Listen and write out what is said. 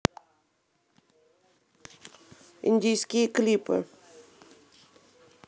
индийские клипы